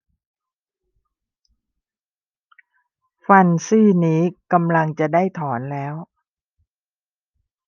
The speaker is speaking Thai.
ฟันซี่นี้กำลังจะได้ถอนแล้ว